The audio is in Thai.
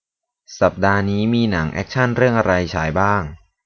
สัปดาห์นี้มีหนังแอ็คชั่นเรื่องอะไรฉายบ้าง